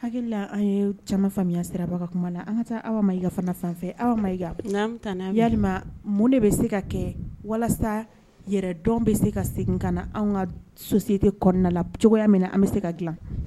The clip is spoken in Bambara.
Hakili an ye caman faamuyaya sirabaga kuma la an taa aw ma i ka fana sanfɛ aw ma ya mun de bɛ se ka kɛ walasa yɛrɛ dɔn bɛ se ka segin ka na an ka soso sete kɔnɔna la cogoya minɛ an bɛ se ka g dila